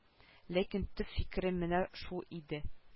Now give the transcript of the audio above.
Ләкин төп фикерем менә шул иде